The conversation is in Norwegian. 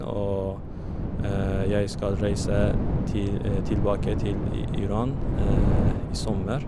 Og jeg skal reise til tilbake til i Iran i sommer.